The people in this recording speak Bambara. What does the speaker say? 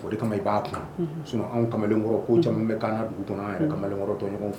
O de kama i b'a kan, sinon, anw kamalenkɔrɔ ko caman bɛ k'an dugu kɔnɔ an yɛrɛ kamalenkɔrɔ tɔɲɔgɔnw fɛ